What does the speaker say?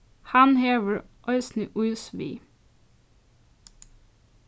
hann hevur eisini ís við